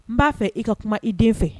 N b'a fɛ i ka kuma i den fɛ.